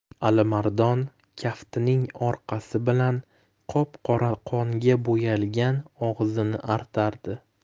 alimardon kaftining orqasi bilan qop qora qonga bo'yalgan og'zini artardi